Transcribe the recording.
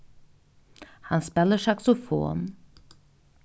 hann spælir saksofon